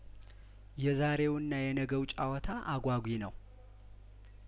የዛሬውና የነገው ጨዋታ አጓጊ ነው